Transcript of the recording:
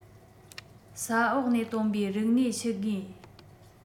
ས འོག ནས བཏོན པའི རིག གནས ཤུལ དངོས